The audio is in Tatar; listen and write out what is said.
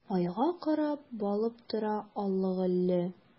Айга карап балкып тора аллы-гөлле!